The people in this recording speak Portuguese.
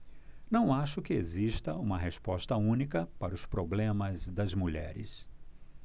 não acho que exista uma resposta única para os problemas das mulheres